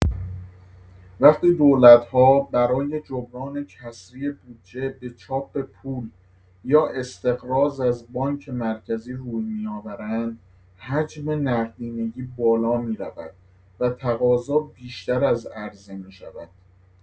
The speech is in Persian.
وقتی دولت‌ها برای جبران کسری بودجه به چاپ پول یا استقراض از بانک مرکزی روی می‌آورند، حجم نقدینگی بالا می‌رود و تقاضا بیشتر از عرضه می‌شود.